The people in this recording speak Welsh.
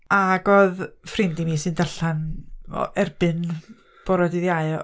Ac oedd ffrind i mi sy'n darllen, o, erbyn bore dydd Iau...